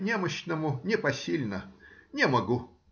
немощному, непосильна. Не могу!